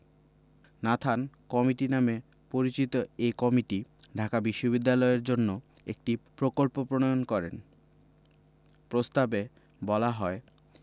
Nathan committee নামে পরিচিত এ কমিটি ঢাকা বিশ্ববিদ্যালয়ের জন্য একটি প্রকল্প প্রণয়ন করেন প্রস্তাবে বলা হ